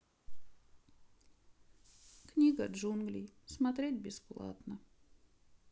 книга джунглей смотреть бесплатно